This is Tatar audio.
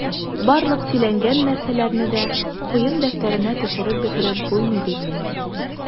Барлык сөйләнгән нәрсәләрне дә куен дәфтәренә төшереп бетереп булмый бит...